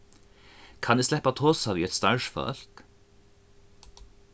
kann eg sleppa at tosa við eitt starvsfólk